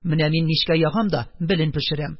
Менә мин мичкә ягам да белен пешерәм.